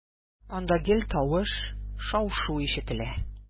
Анда гел тавыш, шау-шу ишетелә.